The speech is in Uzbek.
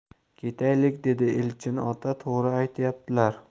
ketaylik dedi elchin ota to'g'ri aytyaptilar